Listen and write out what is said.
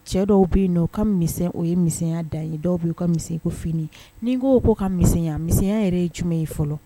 Cɛ dɔw bɛ yen u ka mi o ye miya dan ye dɔw bɛ'u ka mi fini ni ko ko ka miya miya yɛrɛ ye jumɛn ye fɔlɔ